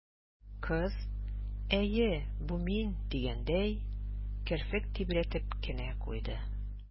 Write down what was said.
Кыз, «әйе, бу мин» дигәндәй, керфек тибрәтеп кенә куйды.